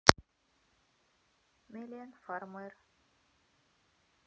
милен фармер